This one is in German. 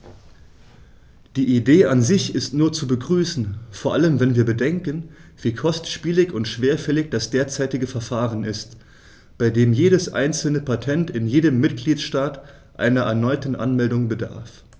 Die Idee an sich ist nur zu begrüßen, vor allem wenn wir bedenken, wie kostspielig und schwerfällig das derzeitige Verfahren ist, bei dem jedes einzelne Patent in jedem Mitgliedstaat einer erneuten Anmeldung bedarf.